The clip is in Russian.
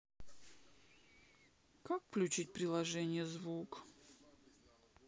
как включить приложение звук